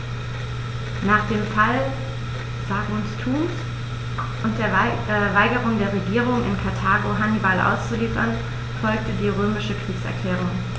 Nach dem Fall Saguntums und der Weigerung der Regierung in Karthago, Hannibal auszuliefern, folgte die römische Kriegserklärung.